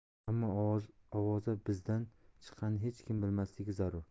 ammo ovoza bizdan chiqqanini hech kim bilmasligi zarur